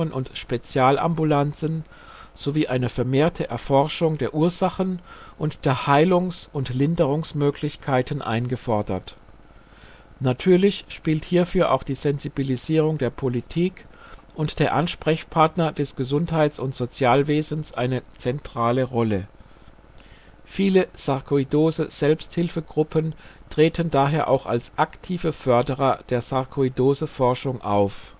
und Spezialambulanzen sowie eine vermehrte Erforschung der Ursachen und der Heilungs - und Linderungsmöglichkeiten gefordert. Natürlich spielt hierfür auch die Sensibilisierung der Politik und der Ansprechpartner des Gesundheits - und Sozialwesens eine zentrale Rolle. Viele Sarkoidose-Selbsthilfegruppen treten auch als aktive Förderer der Sarkoidoseforschung auf